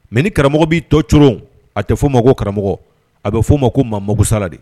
Mɛ ni karamɔgɔ b'i to coro a tɛ f'o ma ko karamɔgɔ a bɛ f fɔ'o ma ko maa makosala de